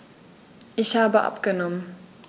Ich habe abgenommen.